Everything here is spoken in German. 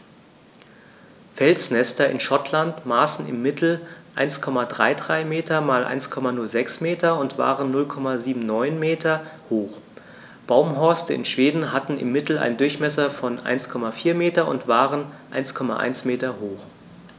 Felsnester in Schottland maßen im Mittel 1,33 m x 1,06 m und waren 0,79 m hoch, Baumhorste in Schweden hatten im Mittel einen Durchmesser von 1,4 m und waren 1,1 m hoch.